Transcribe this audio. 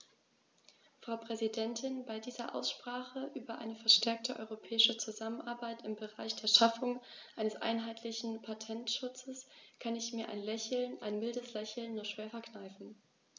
Frau Präsidentin, bei dieser Aussprache über eine verstärkte europäische Zusammenarbeit im Bereich der Schaffung eines einheitlichen Patentschutzes kann ich mir ein Lächeln - ein mildes Lächeln - nur schwer verkneifen.